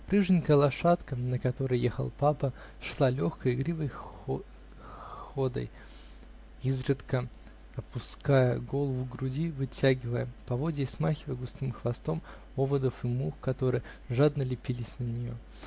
Рыженькая лошадка, на которой ехал папа, шла легкой, игривой ходой, изредка опуская голову к груди, вытягивая поводья и смахивая густым хвостом оводов и мух, которые жадно лепились на нее.